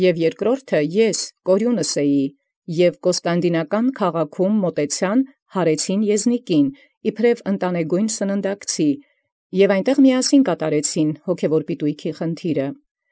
Եւ երկրորդն՝ Կորիւնս, և մատուցեալ յարէին յԵզնիկն, իբրև առ ընտանեգոյն սննդակից՝ ի Կոստանդինական քաղաքին, և անդ միաբանութեամբ հոգևոր պիտոյիցն զխնդիրն վճարէին։